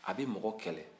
a bɛ mɔgɔ kɛlɛ